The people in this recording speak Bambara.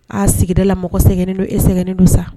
Aa sigida la mɔgɔ sɛgɛnnen don e sɛgɛngnen don sa